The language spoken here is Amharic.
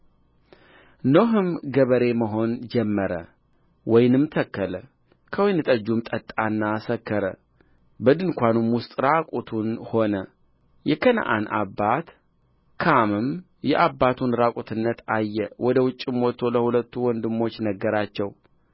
ኖኅም ገበሬ መሆን ጀመረ ወይንም ተከለ ከወይን ጠጁም ጠጣና ሰከረ በድንኳኑም ውስጥ ዕራቁቱን ሆነ የከነዓን አባት ካምም የአባቱን ዕራቁትነት አየ ወደ ውጭም ወጥቶ ለሁለቱ ወንድሞቹ ነገራቸው